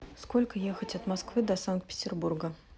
сколько ехать от москвы до санкт петербурга